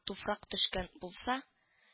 Туфрак төшкән булса